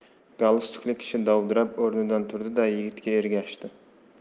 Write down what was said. galstukli kishi dovdirab o'rnidan turdi da yigitga ergashdi